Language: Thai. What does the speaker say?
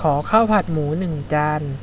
ขอข้าวผัดหมูหนึ่งจาน